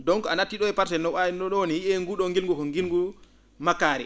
donc a nattii ?oo he parcelle no waawi no ?oo nii wiyee nguu ?oo ngilngu ko ngilngu makkaari